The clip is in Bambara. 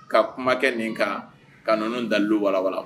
Ka kumakɛ nin kan ka ninnu dalilu walawala